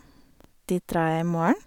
Dit drar jeg i morgen.